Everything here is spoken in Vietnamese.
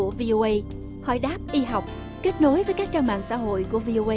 của vi ô ây hỏi đáp y học kết nối với các trang mạng xã hội của vi ô ây